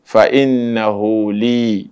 Fa e na hli